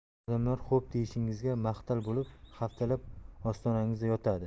odamlar xo'p deyishingizga mahtal bo'lib haftalab ostonangizda yotadi